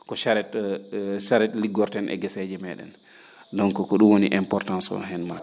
ko chareete charette liggorten e geseeje mee?en donc ko ?um woni importance o heen